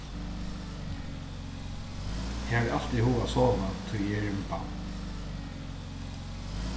eg havi altíð hug at sova tí eg eri við barn